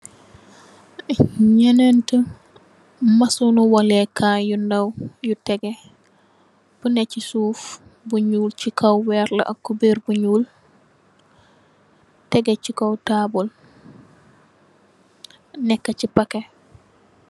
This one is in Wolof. Ñënenth masolu walèkaay yu ndaw, yu tégé. bu nè ci suuf bu ñuul ci kaw weer la ak cuber bi ñuul tégé ci kaw taabl nekka ci paket.